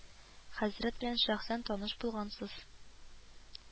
Хәзрәт белән шәхсән таныш булгансыз